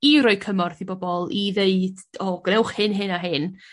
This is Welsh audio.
i roi cymorth i bobol i ddeud o gnewch hyn hyn a hyn